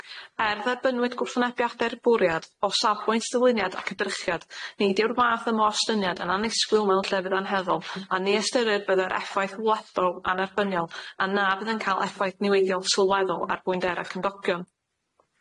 Er dderbynwyd gwrthwynebiadau'r bwriad, o safbwynt dyluniad ac edrychiad, nid yw'r fath yma o-ostyniad yn annisgwl mewn llefydd anheddol, a ni ystyrir byddai'r effaith wledol anerbyniol a na fydd yn cael effaith niweidiol sylweddol ar bwyndera gymdogion.